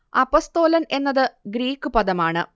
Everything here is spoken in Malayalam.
അപ്പസ്തോലൻ എന്നത് ഗ്രീക്കു പദമാണ്